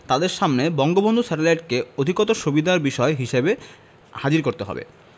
তাদের সামনে বঙ্গবন্ধু স্যাটেলাইটকে অধিকতর সুবিধার বিষয় হিসেবে হাজির করতে হবে